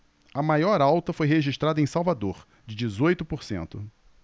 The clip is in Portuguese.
a maior alta foi registrada em salvador de dezoito por cento